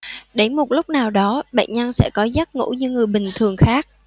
đến một lúc nào đó bệnh nhân sẽ có giấc ngủ như người bình thường khác